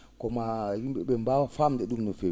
ko maa yim?e ?ee mbaawa faamde ?um no feewi